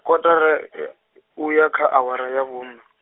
kotara, u ya kha awara ya vhuna.